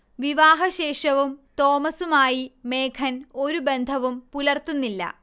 വിവാഹശേഷവും തോമസുമായി മേഘൻ ഒരു ബന്ധവും പുലർത്തുന്നില്ല